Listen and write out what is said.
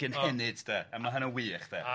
Genhennid de a ma' hynna wych de.